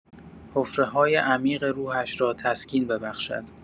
حفره‌های عمیق روحش را تسکین ببخشد.